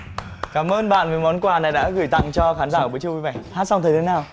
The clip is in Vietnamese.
cảm ơn bạn vì món quà này đã gửi tặng cho khán giả của bữa trưa vui vẻ hát xong thấy thế nào